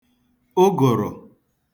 ụgụ̀rụ̀